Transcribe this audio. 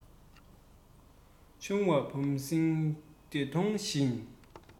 ཆུང བ བམ སྲིང འདྲེ གདོང བཞི